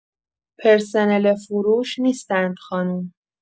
پرسنل فروش نیستند خانم.